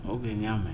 Ɔ ok ɲamɛ